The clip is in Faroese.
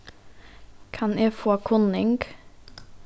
kann eg fáa kunning